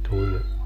tuli